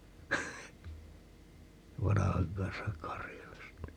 vanhan kansan --